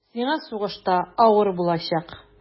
Сиңа сугышта авыр булачак.